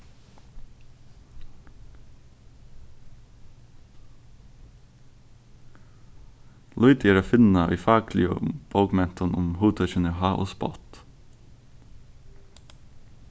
lítið er at finna í fakligum bókmentum um hugtøkini háð og spott